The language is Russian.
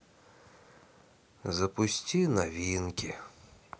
запусти новинки